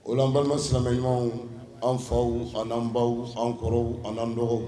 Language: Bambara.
Ola an balimama silamɛ ɲumanw an faw ani an baw an kɔrɔw ani an dɔgɔw